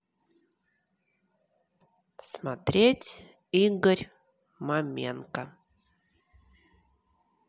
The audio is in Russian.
смотреть игорь маменко